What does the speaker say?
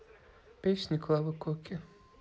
песня клавы коки